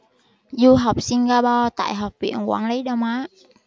du học singapore tại học viện quản lý đông á